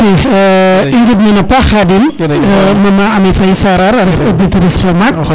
i ŋid mina paax Khadim Maman amy Faye Sarare a ref auditrice fa maak